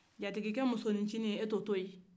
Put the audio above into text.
jatigi musonin ncinin